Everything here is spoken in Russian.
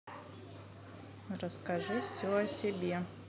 расскажи все о себе